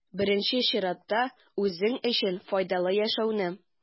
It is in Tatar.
Беренче чиратта, үзең өчен файдалы яшәүне.